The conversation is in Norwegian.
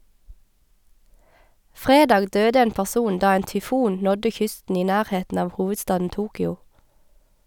Fredag døde en person da en tyfon nådde kysten i nærheten av hovedstaden Tokyo.